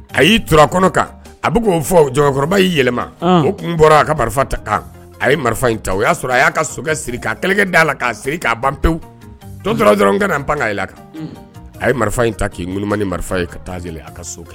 A y'i turakɔnɔ kan a bɛ k'o fɔ cɛkɔrɔba y'i yɛlɛma o tun bɔra a ka marifa ta kan a ye marifa in ta o y'a sɔrɔ a y'a ka sokɛ siri k'a kɛlɛ da'a la k'a siri k'a ban pewu tora dɔrɔn ka' bange jira la kan a ye marifa in ta k'i nma ni marifa ye ka taaz a ka sokɛ